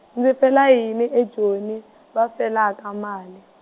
ndzi fela yini eJoni, va felaka mali?